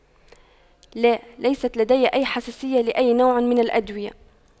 لا ليست لدي اي حساسية لأي نوع من الأدوية